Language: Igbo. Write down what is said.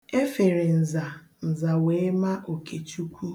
E fere nza, nza wee ma Okechukwu.